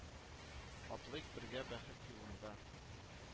Атлыйк бергә бәхет юлында